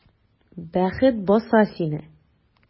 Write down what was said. Бәхет баса сине!